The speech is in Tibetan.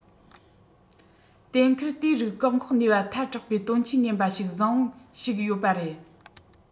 གཏན འཁེལ དེ རིགས བཀག འགོག ནུས པ ཐལ དྲགས པའི དོན རྐྱེན ངན པ ཞིག བཟང བོ ཞིག ཡོད པ རེད